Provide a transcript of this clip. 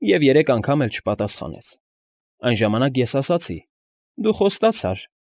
Եվ երեք անգամն էլ չպատասխանեց։ Այն ժամանակ ես ասացի. «Դու խոստացար։